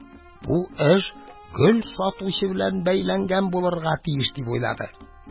Бу эш гөл сатучы белән бәйләнгән булырга тиеш», – дип уйлады.